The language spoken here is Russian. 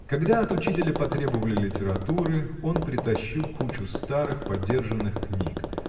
Когда от учителя потребовали литературы он притащил кучу старых подержанных книг.